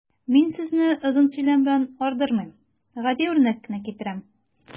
Мин сезне озын сөйләм белән ардырмыйм, гади үрнәк кенә китерәм.